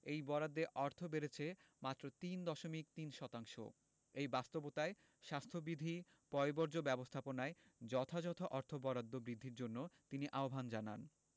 এই বরাদ্দে অর্থ বেড়েছে মাত্র তিন দশমিক তিন শতাংশ এই বাস্তবতায় স্বাস্থ্যবিধি পয়ঃবর্জ্য ব্যবস্থাপনায় যথাযথ অর্থ বরাদ্দ বৃদ্ধির জন্য তিনি আহ্বান জানান